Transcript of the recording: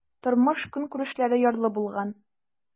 Тормыш-көнкүрешләре ярлы булган.